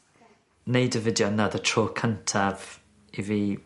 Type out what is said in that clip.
Neud y fideo yna odd y tro cyntaf i fi